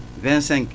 25